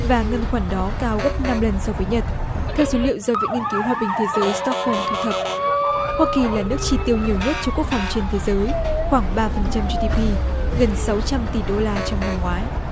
và ngân khoản đó cao gấp năm lần so với nhật theo số liệu do viện nghiên cứu hòa bình thế giới sờ toóc hôm thu thập hoa kỳ là nước chi tiêu nhiều nhất cho quốc phòng trên thế giới khoảng ba phần trăm di đi pi gần sáu trăm tỷ đô la trong năm ngoái